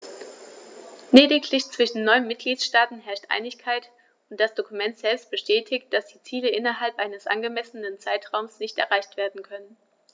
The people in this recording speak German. Lediglich zwischen neun Mitgliedsstaaten herrscht Einigkeit, und das Dokument selbst bestätigt, dass die Ziele innerhalb eines angemessenen Zeitraums nicht erreicht werden können.